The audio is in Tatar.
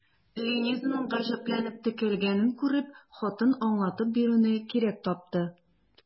Ленизаның гаҗәпләнеп текәлгәнен күреп, хатын аңлатып бирүне кирәк тапты.